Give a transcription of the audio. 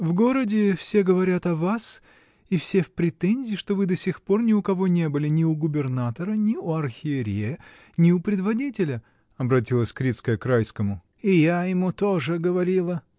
— В городе все говорят о вас и все в претензии, что вы до сих пор ни у кого не были, ни у губернатора, ни у архиерея, ни у предводителя, — обратилась Крицкая к Райскому. — И я ему тоже говорила!